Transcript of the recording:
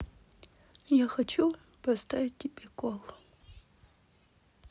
я хочу поставить тебе кол